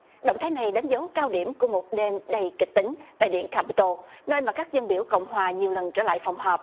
động thái này đánh dấu cao điểm của một đêm đầy kịch tính tại điện ca pi tô nơi mà các dân biểu cộng hòa nhiều lần trở lại phòng họp